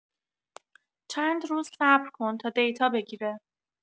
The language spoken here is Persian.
چند روز صبر کن تا دیتا بگیره